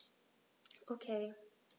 Okay.